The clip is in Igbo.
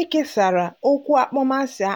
E kesara okwu akpọmasị